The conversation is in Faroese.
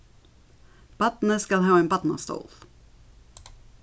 barnið skal hava ein barnastól